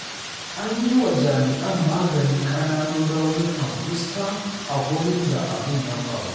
An yiwa jami'an maganin ƙananun raunukan fuska a wurin da abin ya faru.